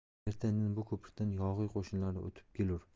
erta indin bu ko'prikdan yog'iy qo'shinlari o'tib kelur